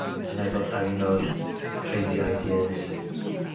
yn meddwl taw un o'r crazy ideas.